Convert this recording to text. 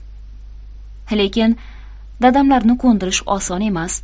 lekin dadamlarni ko'ndirish oson emas